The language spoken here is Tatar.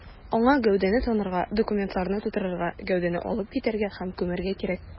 Аңа гәүдәне танырга, документларны турырга, гәүдәне алып китәргә һәм күмәргә кирәк.